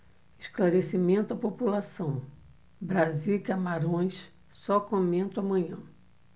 esclarecimento à população brasil e camarões só comento amanhã